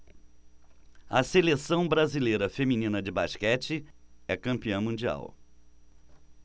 a seleção brasileira feminina de basquete é campeã mundial